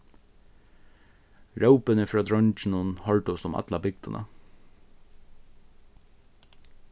rópini frá dreingjunum hoyrdust um alla bygdina